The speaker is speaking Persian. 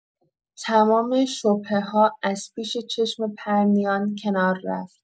تمام شبهه‌ها از پیش چشم پرنیان کنار رفت.